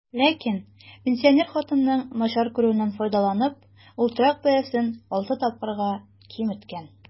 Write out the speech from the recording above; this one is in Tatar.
Ләкин, пенсинер хатынның начар күрүеннән файдаланып, ул торак бәясен алты тапкырга киметкән.